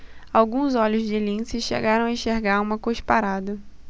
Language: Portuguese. alguns olhos de lince chegaram a enxergar uma cusparada